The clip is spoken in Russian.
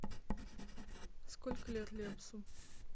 сколько лет лепсу